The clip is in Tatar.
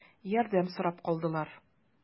Ярдәм сорап калдылар.